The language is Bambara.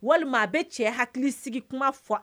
Walima a bɛ cɛ hakilisigi kuma fɔ